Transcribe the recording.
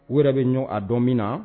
O yɛrɛ bɛ ɲɔ a dɔn min na